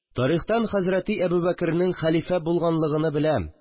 Тарихтан хәзрәти Әбүбәкернең хәлифә булганлыгыны беләм